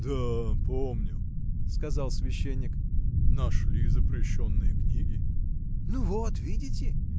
— Да, помню, — сказал священник, — нашли запрещенные книги. — Ну, вот видите!